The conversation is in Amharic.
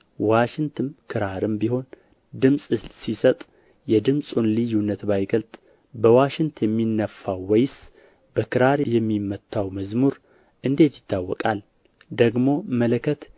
ዋሽንትም ክራርም ቢሆን ድምፅ ሲሰጥ የድምፁን ልዩነት ባይገልጥ በዋሽንት የሚነፋው ወይስ በክራር የሚመታው መዝሙር እንዴት ይታወቃል ደግሞም መለከት